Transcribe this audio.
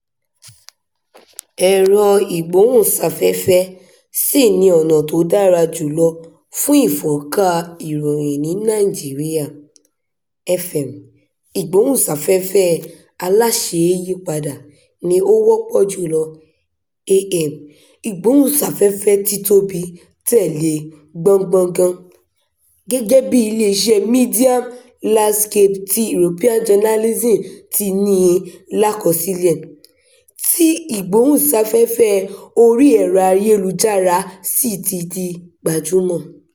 Ẹ̀rọ-ìgbóhùnsáfẹ́fẹ́ ṣì ni ọ̀nà tí ó dára jù lọ fún ìfọ́nká ìròyìn ní Nàìjíríà. FM (Ìgbóhùnsáfẹ́fẹ́ Aláṣeéyípadà) ni ó wọ́pọ̀ jù lọ, AM (Ìgbóhùnsáfẹ́fẹ́ Títóbi) tẹ̀lé e gbọ̀ngbọ̀ngbọn, gẹ́gẹ́ bí iléeṣẹ́ Media Landscape ti European Journalism Centre ní i lákọsílẹ̀ — tí ìgbóhùnsáfẹ́fẹ́ orí ẹ̀rọ ayélujára sì ti di gbajúmọ̀.